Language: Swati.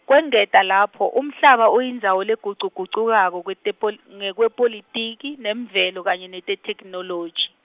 kwengeta lapho, umhlaba uyindzawo legucugucukako kwetepol- ngekwepolitiki, nemvelo kanye netethekhinoloji.